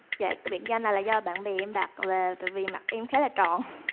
dạ cái biệt danh là do bạn bè em đặt là tại vì mặt em khá là tròn